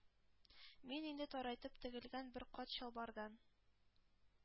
Мин инде тарайтып тегелгән бер кат чалбардан.